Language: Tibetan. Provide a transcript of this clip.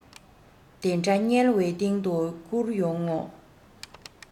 དེ འདྲ དམྱལ བའི གཏིང དུ བསྐྱུར ཡོང ངོ